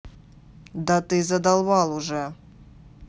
да ты задолбал уже